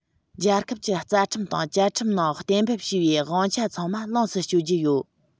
རྒྱལ ཁབ ཀྱི རྩ ཁྲིམས དང བཅའ ཁྲིམས ནང གཏན འབེབས བྱས པའི དབང ཆ ཚང མ ལོངས སུ སྤྱོད རྒྱུ ཡོད